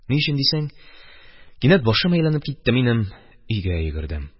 Ни өчен дисәң, кинәт башым әйләнеп китте минем, өйгә йөгердем.